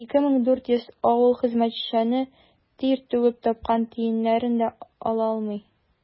2400 авыл хезмәтчәне тир түгеп тапкан тиеннәрен ала алмый.